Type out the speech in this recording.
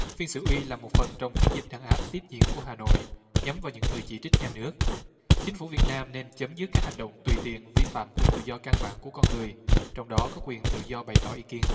phiên xử uy là một phần trong chiến dịch trấn áp tiếp diễn của hà nội nhắm vào những người chỉ trích nhà nước chính phủ việt nam nên chấm dứt các hành động tùy tiện vi phạm quyền tự do căn bản của con người trong đó có quyền tự do bày tỏ ý kiến